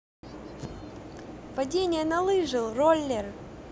падение на лыжи роллер